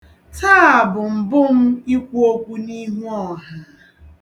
Taa bụ mbụ m ikwu okwu n'ihu ọha.